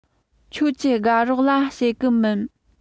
ཁྱོད ཀྱི དགའ རོགས ལ བཤད གི མིན